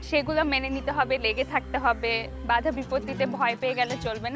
সেগুলা মেনে নিতে হবে লেগে থাকতে হবে বাধা বিপত্তিতে ভয় পেলে চলবে না